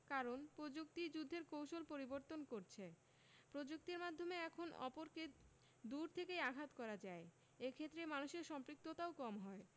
কারণ প্রযুক্তিই যুদ্ধের কৌশল পরিবর্তন করছে প্রযুক্তির মাধ্যমে এখন অপরকে দূর থেকেই আঘাত করা যায় এ ক্ষেত্রে মানুষের সম্পৃক্ততাও কম হয়